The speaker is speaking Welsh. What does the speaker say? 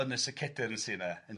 Ynys y Cedyrn sy' 'na